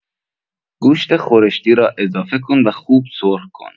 گوشت خورشتی را اضافه کن و خوب سرخ‌کن.